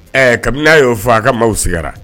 Ɛɛ kabini n'a y'o fɔ a ka maaw sigira.